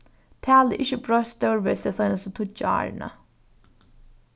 talið er ikki broytt stórvegis tey seinastu tíggju árini